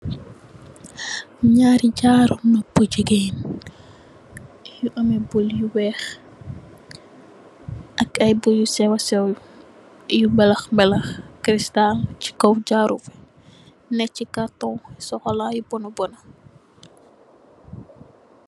Ñaari jaru nopuh jigéen yu ameh bul yu wèèx ak bul yu séw wa séw yu belax belax kristal ci kaw jaru bi né ci karton bu sokola yu bono bono.